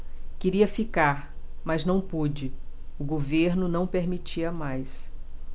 queria ficar mas não pude o governo não permitia mais